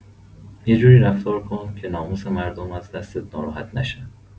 یه جوری رفتار کن که ناموس مردم از دستت ناراحت نشن.